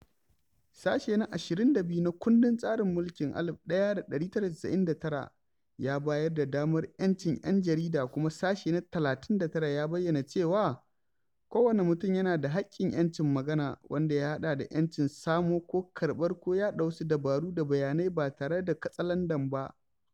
Sashe na 22 na kundin tsarin mulkin 1999 ya bayar da damar 'yancin 'yan jarida kuma Sashe na 39 ya bayyana cewa "kowane mutum yana da haƙƙin 'yancin magana, wanda ya haɗa da 'yancin samo ko karɓar ko yaɗa wasu dabaru da bayanai ba tare da katsalandan ba..."